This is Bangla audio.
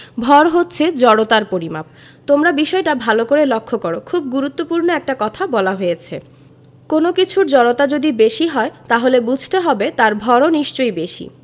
ভর হচ্ছে জড়তার পরিমাপ তোমরা বিষয়টা ভালো করে লক্ষ করো খুব গুরুত্বপূর্ণ একটা কথা বলা হয়েছে কোনো কিছুর জড়তা যদি বেশি হয় তাহলে বুঝতে হবে তার ভরও নিশ্চয়ই বেশি